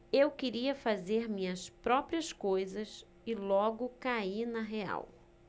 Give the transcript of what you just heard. eu queria fazer minhas próprias coisas e logo caí na real